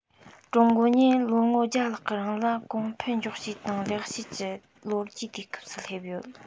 ཀྲུང གོ ཉིད ལོ ངོ བརྒྱ ལྷག གི རིང ལ གོང འཕེལ མགྱོགས ཤོས དང ལེགས ཤོས ཀྱི ལོ རྒྱུས དུས སྐབས སུ སླེབས ཡོད